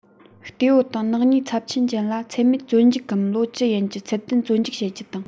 གཏེ བོ དང ནག ཉེས ཚབས ཆེན ཅན ལ ཚད མེད བཙོན འཇུག གམ ལོ བཅུ ཡན གྱི ཚད ལྡན བཙོན འཇུག བྱེད རྒྱུ དང